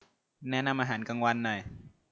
แนะนำอาหารกลางวันหน่อย